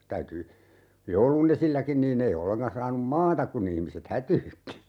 täytyi joulun esilläkin niin ei ollenkaan saanut maata kun ihmiset hätyytti